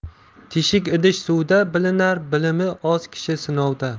teshik idish suvda bilinar bilimi oz kishi sinovda